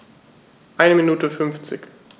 Eine Minute 50